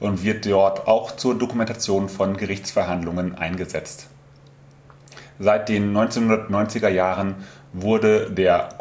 wird dort auch zur Dokumentation von Gerichtsverhandlungen eingesetzt. Seit den 1990er Jahren wurde der